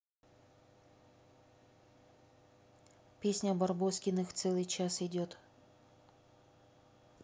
песня барбоскиных целый час идет